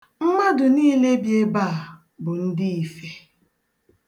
Mmadụ niile bi ebe a bụ ndị ife.